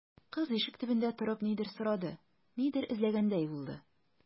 Кыз, ишек төбендә торып, нидер сорады, нидер эзләгәндәй булды.